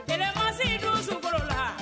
Kɛlɛmasasi don sokolo la